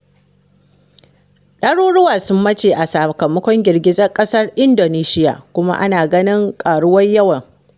Ɗaruruwa sun mace a sakamakon girgizar ƙasar Indonesiya, kuma ana ganin ƙaruwar yawan